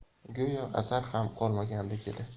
go'yo asar ham qolmagandek edi